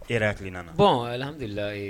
E yɛrɛ hakilina la, bon